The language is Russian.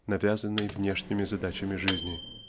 навязанной внешними задачами жизни.